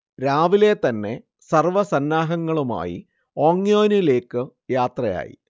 രാവിലെ തന്നെ സർവ സന്നാഹങ്ങളുമായി ഓങ്യോനിലേക്ക് യാത്രയായി